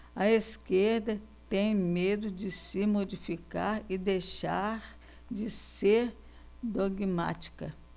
a esquerda tem medo de se modificar e deixar de ser dogmática